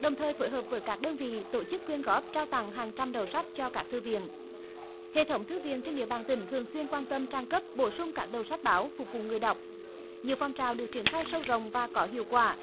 đồng thời phối hợp với các đơn vị tổ chức quyên góp trao tặng hàng trăm đầu sách cho các thư viện hệ thống thư viện trên địa bàn tỉnh thường xuyên quan tâm trang cấp bổ sung các đầu sách báo phục vụ người đọc nhiều phong trào được triển khai sâu rộng và có hiệu quả